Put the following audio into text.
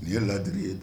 Nin ye ladi i ye da